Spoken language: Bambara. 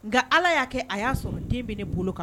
Nga Ala y'a kɛ a y'a sɔrɔ den bɛ ne bolo ka